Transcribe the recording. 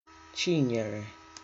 Chinyere